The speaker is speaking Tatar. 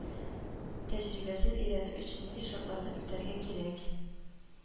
Тәҗрибәсен өйрәнү өчен нинди шартларны үтәргә кирәк